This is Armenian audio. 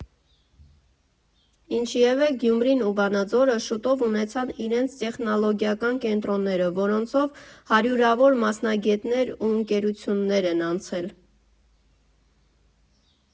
Ինչևէ, Գյումրին ու Վանաձորը շուտով ունեցան իրենց տեխնոլոգիական կենտրոնները, որոնցով հարյուրավոր մասնագետներ ու ընկերություններ են անցել։